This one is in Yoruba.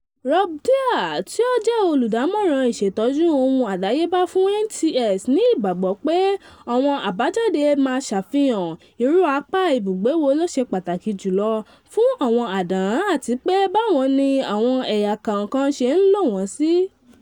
Rob Dewar, tí ó jẹ́ olùdámọ̀ràn ìṣètọ́jú ohun àdáyébá fún NTS, ní ìgbàgbọ pé àwọn àbájáde máa ṣàfihàn irú apá ibúgbé wo ló ṣe pàtàkì jùlọ fún àwọn àdán àtipé báwo ni àwọn ẹ̀yà kọ̀ọ̀kan ṣe ń lò wọ́n sí.